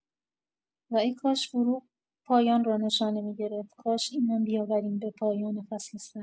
و ای‌کاش فروغ پایان را نشانه می‌گرفت، کاش ایمان بیاوریم به پایان فصل سرد.